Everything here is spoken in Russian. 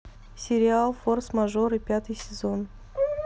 сериал форс мажоры пятый сезон